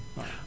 waaw